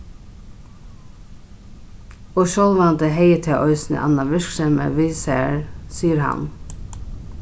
og sjálvandi hevði tað eisini annað virksemi við sær sigur hann